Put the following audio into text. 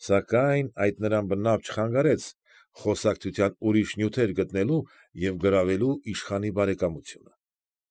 Սակայն այդ բնավ նրան չխանգարեց խոսակցության ուրիշ նյութեր գտնելու և գրավելու իշխանի բարեկամությունը։